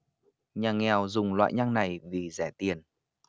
nhà nghèo dùng loại nhang này vì rẻ tiền